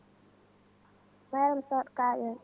Mariame Sall *to Kaƴel